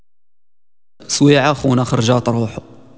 سويعه ونخرج اطروحه